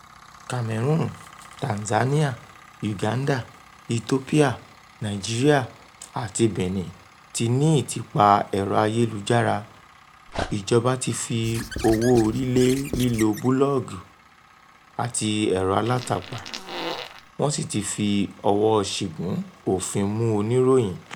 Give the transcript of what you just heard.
Cameroon, Tanzania, Uganda, Ethiopia, Nigeria, àti Benin ti ní Ìtìpa Ẹ̀rọ-ayélujára, ìjọba ti fi owó-orí lé lílo búlọ́ọ̀gù àti ẹ̀rọ-alátagbà, wọ́n sì ti fi ọwọ́ ṣìgún òfin mú oníròyìn.